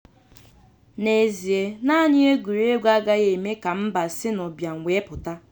N'ezie, naanị egwuregwu agaghị eme ka mba si n'ụbịam wee pụta.